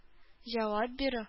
Җавап бирү